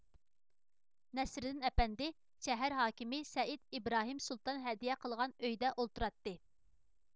نەسرىدىن ئەپەندى شەھەر ھاكىمى سەئىد ئىبراھىم سۇلتان ھەدىيە قىلغان ئۆيدە ئولتۇراتتى